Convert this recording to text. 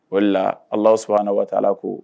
O ala sɔnnaana waa ko